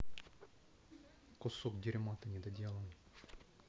кусок дерьма ты недоделанный